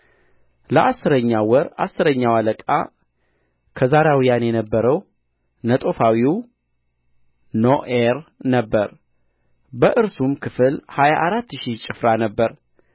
ለአሥረኛው ወር አሥረኛው አለቃ ከዛራውያን የነበረው ነጦፋዊው ኖኤሬ ነበረ በእርሱም ክፍል ሀያ አራት ሺህ ጭፍራ ነበረ